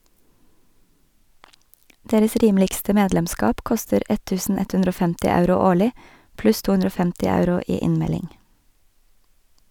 Deres rimeligste medlemskap koster 1150 euro årlig pluss 250 euro i innmelding.